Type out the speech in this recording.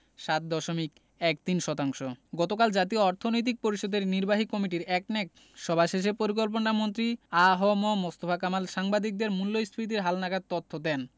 ৭ দশমিক ১৩ শতাংশ গতকাল জাতীয় অর্থনৈতিক পরিষদের নির্বাহী কমিটির একনেক সভা শেষে পরিকল্পনামন্ত্রী আ হ ম মুস্তফা কামাল সাংবাদিকদের মূল্যস্ফীতির হালনাগাদ তথ্য দেন